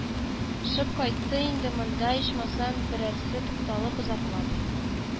Шып кайтты, инде монда, ичмасам, берәрсе, тукталып озаклап